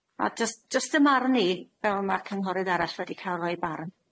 A jyst jyst ym marn i, fel ma'r cynghorydd arall wedi ca'l ei barn.